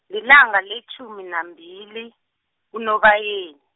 lilanga letjhumi nambili, kuNobayeni.